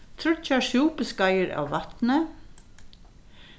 tríggjar súpiskeiðir av vatni